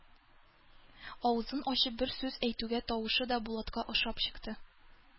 Авызын ачып бер сүз әйтүгә тавышы да Булатка ошап чыкты.